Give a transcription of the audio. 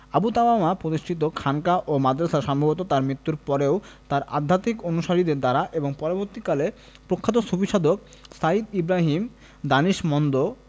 আবু তাওয়ামা প্রতিষ্ঠিত খানকা ও মাদ্রাসা সম্ভবত তাঁর মৃত্যুর পরেও তাঁর আধ্যাত্মিক অনুসারীদের দ্বারা এবং পরবর্তীকালে প্রখ্যাত সুফিসাধক সাইয়্যিদ ইবরাহিম দানিশমন্দ